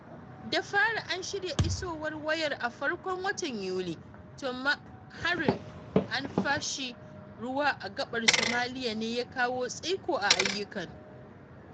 Da fari an shirya isowar wayar a farkon watan Yuli, to amma harin an fashi ruwa a gaɓar Somalia ne ya kawo tsaiko a ayyukan.